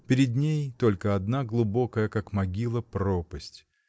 Перед ней — только одна глубокая, как могила, пропасть.